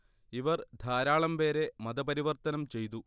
ഇവർ ധാരാളം പേരെ മത പരിവർത്തനം ചെയ്തു